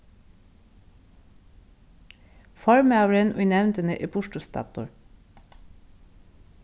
formaðurin í nevndini er burturstaddur